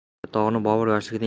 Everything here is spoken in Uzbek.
buratog'ni bobur yoshligidan